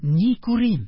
Ни күрим!